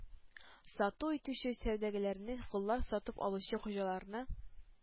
Сату итүче сәүдәгәрләрне, коллар сатып алучы хуҗаларны